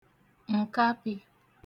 ǹkapị̄